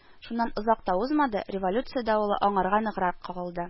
Шуннан озак та узмады, революция давылы аңарга ныграк кагылды